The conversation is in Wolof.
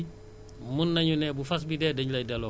presque trente six mille la bu dee fas buy daw ci dëkk bi